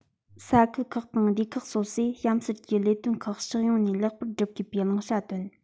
ས ཁུལ ཁག དང སྡེ ཁག སོ སོས གཤམ གསལ གྱི ལས དོན ཁག ཕྱོགས ཡོངས ནས ལེགས པོར བསྒྲུབ དགོས པའི བླང བྱ བཏོན